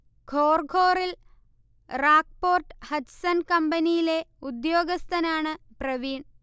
Khor ഖോറിൽ RAK port Hutchison കമ്പനിയിലെ ഉദ്യോഗസ്ഥനാണ് പ്രവീൺ